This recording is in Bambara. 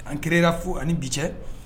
An kɛra fo ani bi cɛ